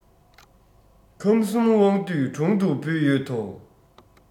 ཁམས གསུམ དབང འདུས དྲུང དུ ཕུལ ཡོད དོ